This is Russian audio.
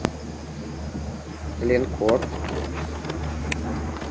линкор